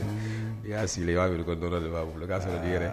I y'a sigi i y'airiri dɔw de b'a bolo k y'a sɔrɔ di i yɛrɛɛrɛ